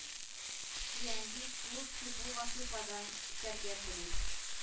Леондид Слуцкий бу вазыйфадан китәргә тели.